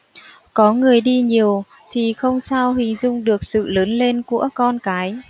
có người đi nhiều thì không sao hình dung được sự lớn lên của con cái